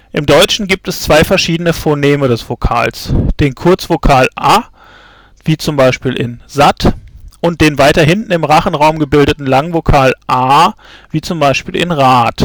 Deutschen gibt es zwei verschiedene Phoneme des Vokals: den Kurzvokal a, wie z. B. in satt, und den weiter hinten im Rachenraum gebildeten Langvokal a, wie z. B. in Rat